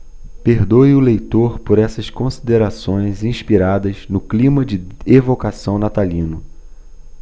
perdoe o leitor por essas considerações inspiradas no clima de evocação natalino